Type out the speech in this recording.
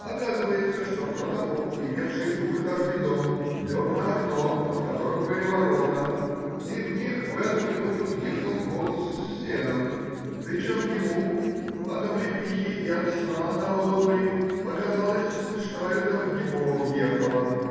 Оказывается, что протопоп, имевший двухэтажный дом, лег на окно, под которым были ворота, и в них в эту минуту въехал воз с сеном, причем ему, от облепихи и от сна до одури, показалось, что это в него въехало.